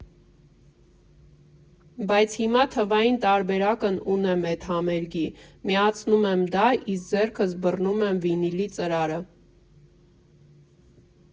Բայց հիմա թվային տարբերակն ունեմ էդ համերգի՝ միացնում եմ դա, իսկ ձեռքս բռնում եմ վինիլի ծրարը։